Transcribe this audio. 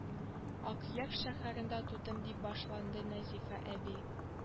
Акъяр шәһәрендә тудым дип башлады нәзифә әби